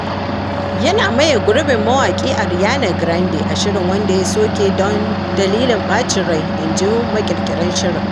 Yana maye gurbin mawaƙi Ariana Grande a shirin wanda ya soke don “dalilin ɓacin rai,” inji maƙirƙirin shirin.